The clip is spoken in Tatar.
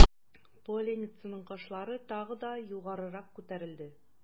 Поляницаның кашлары тагы да югарырак күтәрелде.